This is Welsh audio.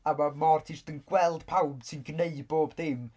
A ma' mor... Ti jyst yn gweld pawb, ti'n gwneud bob dim!